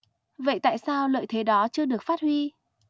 vậy tại sao lợi thế đó chưa được phát huy